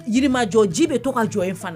Yirilimajɔ ji bɛ to ka jɔ in fana